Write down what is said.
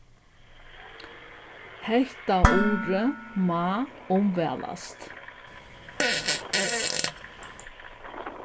hetta urið má umvælast